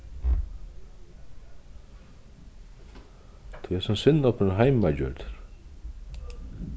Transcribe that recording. tí hesin sinnopur er heimagjørdur